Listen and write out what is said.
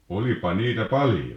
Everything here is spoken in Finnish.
olipa niitä paljon